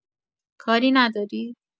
کاری نداری؟